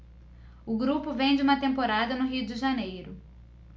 o grupo vem de uma temporada no rio de janeiro